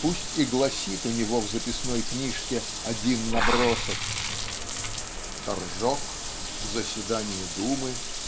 пусть и гласит у него в записной книжке один набросок "Торжок. Заседание думы.